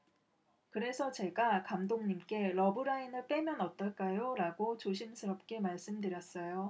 그래서 제가 감독님께 러브라인을 빼면 어떨까요라고 조심스럽게 말씀드렸어요